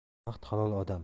vaqt halol odam